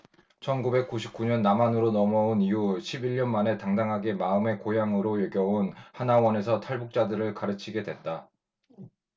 천 구백 구십 구 년 남한으로 넘어온 이후 십 일 년 만에 당당하게 마음의 고향으로 여겨온 하나원에서 탈북자들을 가르치게 됐다